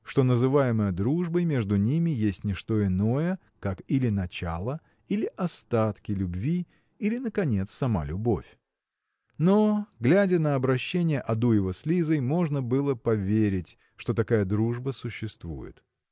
что называемое дружбой между ними – есть не что иное как или начало или остатки любви или наконец самая любовь. Но глядя на обращение Адуева с Лизой можно было поверить что такая дружба существует.